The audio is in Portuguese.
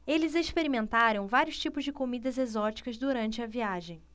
eles experimentaram vários tipos de comidas exóticas durante a viagem